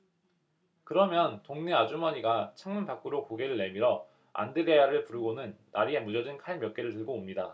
그러면 동네 아주머니가 창문 밖으로 고개를 내밀어 안드레아를 부르고는 날이 무뎌진 칼 몇 개를 들고 옵니다